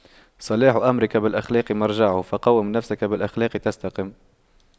صلاح أمرك بالأخلاق مرجعه فَقَوِّم النفس بالأخلاق تستقم